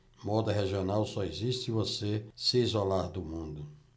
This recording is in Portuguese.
moda regional só existe se você se isolar do mundo